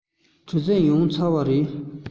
གྲུ གཟིངས ཡོངས ཚར པ རེད